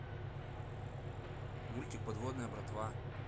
мультик подводная братва